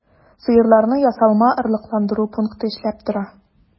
Сыерларны ясалма орлыкландыру пункты эшләп тора.